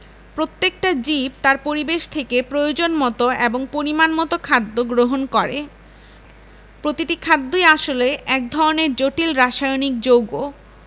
প্রত্যেকটা জীব তার পরিবেশ থেকে প্রয়োজনমতো এবং পরিমাণমতো খাদ্য গ্রহণ করে প্রতিটি খাদ্যই আসলে এক ধরনের জটিল রাসায়নিক যৌগ